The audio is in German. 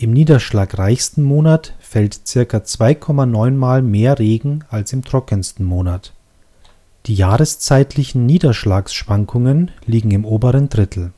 niederschlagreichsten Monat fällt ca. 2,9mal mehr Regen, als im trockensten Monat. Die jahreszeitlichen Niederschlagschwankungen liegen im oberen Drittel